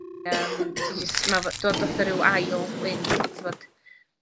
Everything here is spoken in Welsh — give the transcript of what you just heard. Yym ti jyst, ma' fe, dod fatha ryw ail wynt t'mod?